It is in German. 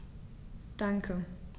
Danke.